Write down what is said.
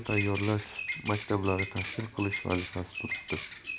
tayyorlash maktablari tashkil qilish vazifasi turibdi